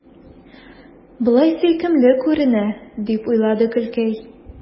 Болай сөйкемле күренә, – дип уйлады Гөлкәй.